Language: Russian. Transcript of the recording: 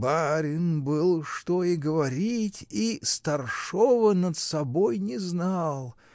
Барин был, что и говорить -- и старшого над собой не знал.